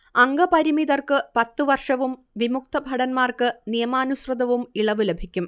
അംഗപരിമിതർക്ക് പത്തു വർഷവും വിമുക്തഭടന്മാർക്ക് നിയമാനുസൃതവും ഇളവ് ലഭിക്കും